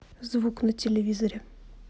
звук на телевизоре